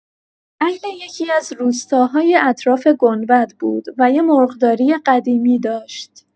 اهل یکی‌از روستاهای اطراف گنبد بود و یه مرغداری قدیمی داشت.